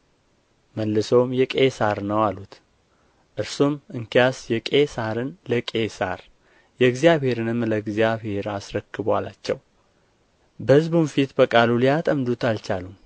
መልሰውም የቄሣር ነው አሉት እርሱም እንኪያስ የቄሣርን ለቄሣር የእግዚአብሔርንም ለእግዚአብሔር አስረክቡ አላቸው በሕዝቡም ፊት በቃሉ ሊያጠምዱት አልቻሉም